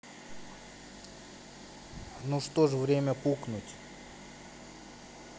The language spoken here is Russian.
ну что ж время пукнуть